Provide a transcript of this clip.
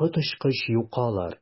Коточкыч юкалар,